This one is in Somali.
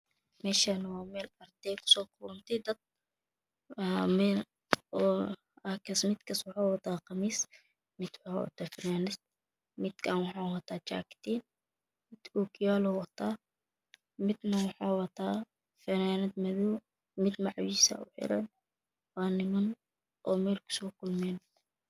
Meshanwaa mel dad ku soo kulmeen mid waxuu wataa funad mid waxuu wataa qamiis mid waxuu wataa jakat mid waxuu wataa okiyaalo mid waxuu wataa funad madow mid waxuu wataa macmuus uxiran waa niman meel ku soo kulmeen